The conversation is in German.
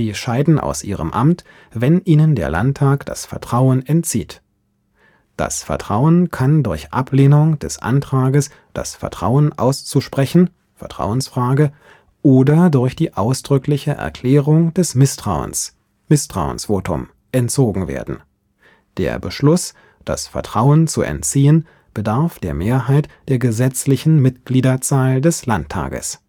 scheiden aus ihrem Amt, wenn ihnen der Landtag das Vertrauen entzieht. (2) Das Vertrauen kann durch Ablehnung des Antrages, das Vertrauen auszusprechen (Vertrauensfrage), oder durch die ausdrückliche Erklärung des Misstrauens (Misstrauensvotum) entzogen werden. Der Beschluss, das Vertrauen zu entziehen, bedarf der Mehrheit der gesetzlichen Mitgliederzahl des Landtages